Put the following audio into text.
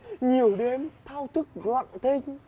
nhiều đêm thao thức gọi tên